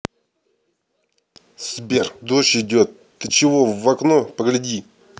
сбер дождь идет ты че в окно погляди